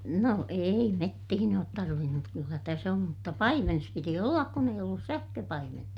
no ei metsiin ole - mutta kyllä tässä on mutta paimenessa piti olla kun ei ollut sähköpaimenta